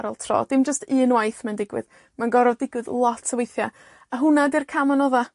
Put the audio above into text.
ar ôl tro, dim jyst un waith mae'n digwydd. Mae'n gor'o' digwydd lot o weithiau. A hwnna 'di'r cam anodda.